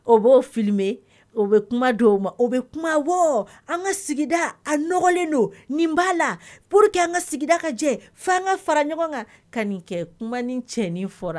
O b'o fili bɛ o bɛ kuma di ma o bɛ kuma bɔ an ka sigi a nɔgɔlen don ni b'a la pur que an ka sigida ka jɛ fo an ka fara ɲɔgɔn kan ka nin kɛ kuma ni cɛnin fɔra